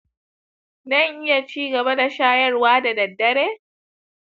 dan iya cigaba da shayarwa da daddare